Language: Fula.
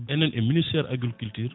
enen e ministre agriculture